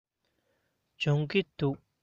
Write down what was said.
སྦྱོང གི འདུག